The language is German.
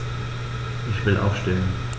Ich will aufstehen.